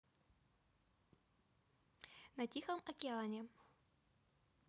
на тихом океане